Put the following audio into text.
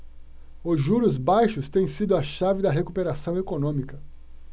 os juros baixos têm sido a chave da recuperação econômica